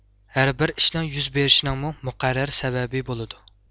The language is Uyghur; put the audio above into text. ھەربىر ئىشنىڭ يۈز بىرىشىنىڭمۇ مۇقەررەر سەۋەبى بولىدۇ